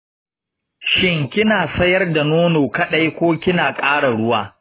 shin kina shayar da nono kaɗai ko kina ƙara ruwa?